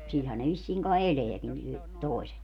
sillähän ne vissiin kai elääkin - toiset